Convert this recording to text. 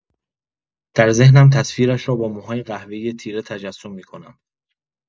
در ذهنم تصویرش را با موهای قهوه‌ای تیره تجسم می‌کنم.